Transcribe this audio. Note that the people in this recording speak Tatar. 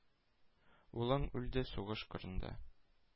Улың үлде сугыш кырында.